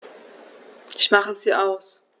Ich mache sie aus.